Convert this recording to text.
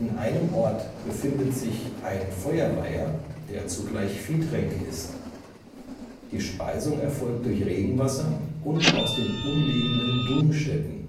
einem Ort befindet sich ein Feuerweiher, der zugleich Viehtränke ist. Die Speisung erfolgt durch Regenwasser und aus den umliegenden Dungstätten